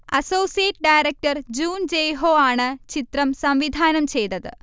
associate director ജൂൻ ജയ്ഹോ ആണ് ചിത്രം സംവിധാനം ചെയ്തത്